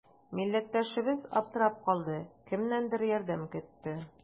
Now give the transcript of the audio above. Милләттәшебез аптырап калды, кемнәндер ярдәм көтте.